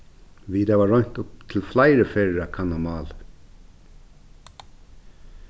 vit hava roynt upp til fleiri ferðir at kanna málið